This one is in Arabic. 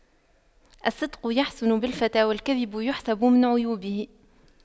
الصدق يحسن بالفتى والكذب يحسب من عيوبه